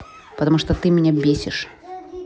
потому что ты меня бесишь